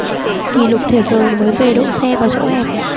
kỷ lục thế giới mới về đỗ xe vào chỗ hẹp